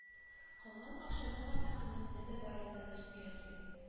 Калган акчаны хастаханәсенә дә даруына да җиткерәсе